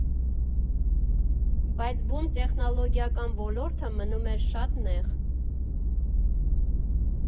Բայց բուն տեխնոլոգիական ոլորտը մնում էր շատ նեղ։